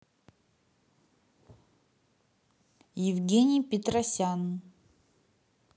евгений петросян